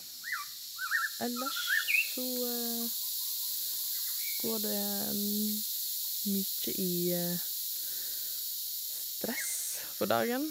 Ellers så går det m mye i stress for dagen.